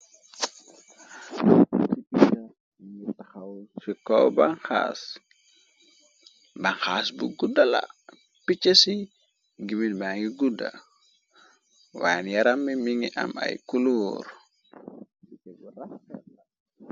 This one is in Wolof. Lii pichaa la mingi taxaw ci kow baxas, banxaas bu guddala piche ci gimin ba ngi gudda waye yaram ba ngi am ay kuloor ditégu raxxetla.